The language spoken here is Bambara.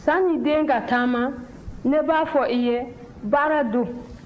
sanni den ka taama ne b'a fɔ i ye baara don